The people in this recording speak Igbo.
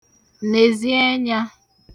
nèzi ẹnyā